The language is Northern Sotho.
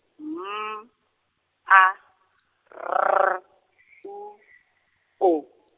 M A R U O.